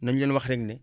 nañu leen wax rek ne